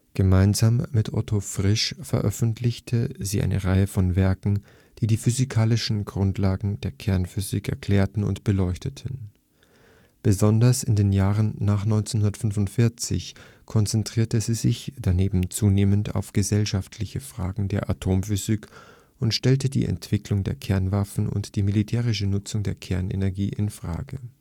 Gemeinsam mit Otto Frisch veröffentlichte sie eine Reihe von Werken, die die physikalischen Grundlagen der Kernphysik erklärten und beleuchteten. Besonders in den Jahren nach 1945 konzentrierte sie sich daneben zunehmend auf gesellschaftliche Fragen der Atomphysik und stellte die Entwicklung der Kernwaffen und die militärische Nutzung der Kernenergie in Frage